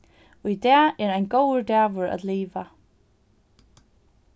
í dag er ein góður dagur at liva